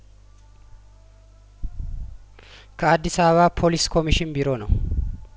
ከአዲስ አበባ ፖሊስ ኮሚሽን ቢሮ ነው